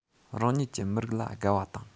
རང ཉིད ཀྱི མི རིགས ལ དགའ བ དང